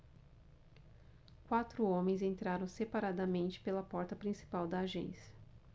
quatro homens entraram separadamente pela porta principal da agência